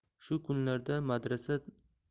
shu kunlarda madrasa